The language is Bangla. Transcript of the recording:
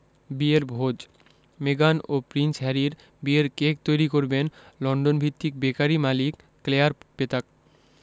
বিয়ের ভোজ মেগান ও প্রিন্স হ্যারির বিয়ের কেক তৈরি করবেন লন্ডনভিত্তিক বেকারি মালিক ক্লেয়ার পেতাক